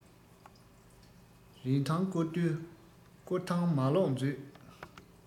རིན ཐང སྐོར དུས སྐོར ཐང མ ལོག མཛོད